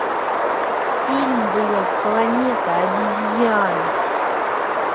фильм блядь планета обезьян